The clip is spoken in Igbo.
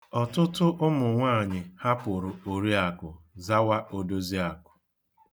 Ọtụtụ ụmụnwaanyị hapụrụ oriakụ zawa odoziakụ.